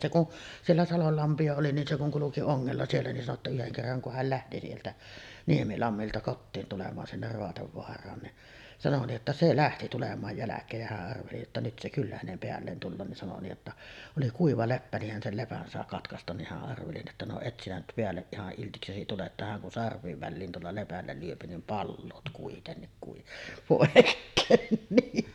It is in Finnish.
se kun siellä salolla lampia oli niin se kun kulki ongella siellä niin sanoi jotta yhden kerran kun hän lähti sieltä Niemilammilta kotiin tulemaan sinne Raatevaaraan niin sanoi niin että se lähti tulemaan jälkeen ja hän arveli että nyt se kyllä hänen päälleen tulee niin sanoi niin jotta oli kuiva leppä niin hän sen lepän sai katkaistua niin hän arveli että no et sinä nyt päälle ihan iltiksesi tule että hän kun sarvien väliin tuolla lepällä lyö niin palaat kuitenkin - pois niin